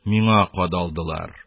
Миңа кадалдылар.